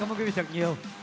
quý vị thật nhiều